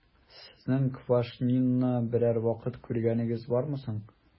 Сезнең Квашнинны берәр вакыт күргәнегез бармы соң?